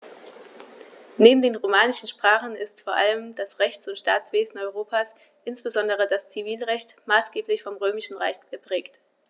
Neben den romanischen Sprachen ist vor allem das Rechts- und Staatswesen Europas, insbesondere das Zivilrecht, maßgeblich vom Römischen Recht geprägt.